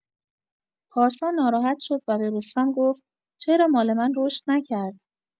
پارسا ناراحت شد و به رستم گفت: «چرا مال من رشد نکرد؟»